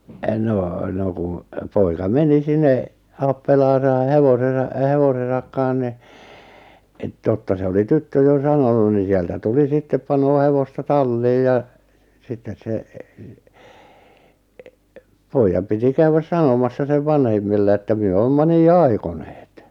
no no kun poika meni sinne appelaansa hevosessa hevosensa kanssa niin - totta se oli tyttö jo sanonut niin sieltä tuli sitten panee hevosta talliin ja sitten se pojan piti käydä sanomassa sen vanhemmille että me olemme niin aikoneet